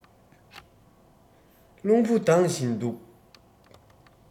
རླུང བུ ལྡང བཞིན འདུག